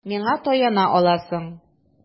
Миңа таяна аласың.